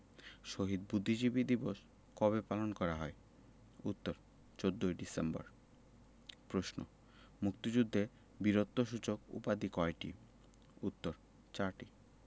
শহীদ বুদ্ধিজীবী দিবস কবে পালন করা হয় উত্তর ১৪ ডিসেম্বর প্রশ্ন মুক্তিযুদ্ধে বীরত্বসূচক উপাধি কয়টি উত্তর চারটি